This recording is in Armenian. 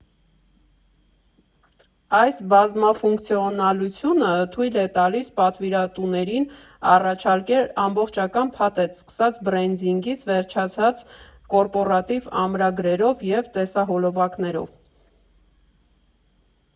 Այս բազմաֆունկցիոնալությունը թույլ է տալիս պատվիրատուներին առաջարկել ամբողջական փաթեթ՝ սկսած բրենդինգից վերջացրած կորպորատիվ ամսագրերով և տեսահոլովակներով։